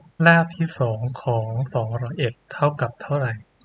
รากที่สองของสองร้อยเอ็ดเท่ากับเท่าไหร่